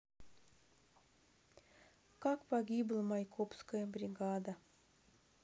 как погибла майкопская бригада